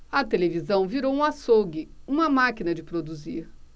a televisão virou um açougue uma máquina de produzir